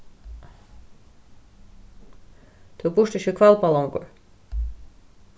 tú býrt ikki í hvalba longur